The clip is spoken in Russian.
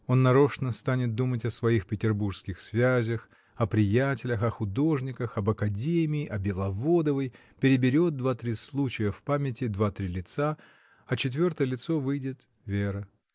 Он нарочно станет думать о своих петербургских связях, о приятелях, о художниках, об академии, о Беловодовой — переберет два-три случая в памяти, два-три лица, а четвертое лицо выйдет — Вера.